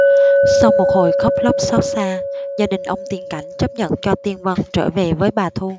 sau một hồi khóc lóc xót xa gia đình ông tiên cảnh chấp nhận cho tiên vân trở về với bà thu